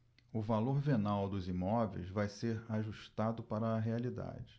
o valor venal dos imóveis vai ser ajustado para a realidade